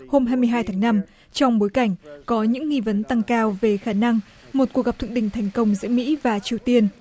hôm hai mươi hai tháng năm trong bối cảnh có những nghi vấn tăng cao về khả năng một cuộc gặp thượng đỉnh thành công giữa mỹ và triều tiên